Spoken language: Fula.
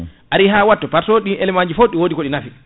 ari ha wattu par ce ɗi élément ji foof ɗi wodi koɗi nafi